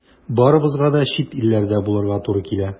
Барыбызга да чит илләрдә булырга туры килә.